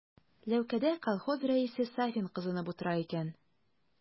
Ләүкәдә колхоз рәисе Сафин кызынып утыра икән.